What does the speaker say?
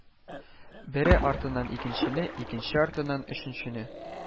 Бере артыннан икенчене, икенче артыннан өченче